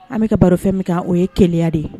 An bɛka ka barofɛn min kan o ye keya de